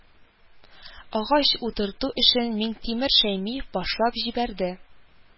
Агач утырту эшен Миңтимер Шәймиев башлап җибәрде